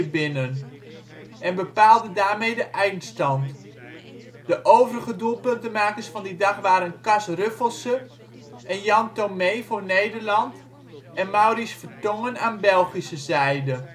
binnen, en bepaalde daarmee de eindstand. De overige doelpuntenmakers van die dag waren Cas Ruffelse en Jan Thomée (2x) voor Nederland, en Maurice Vertongen aan Belgische zijde